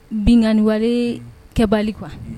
Binliwa kɛbali kuwa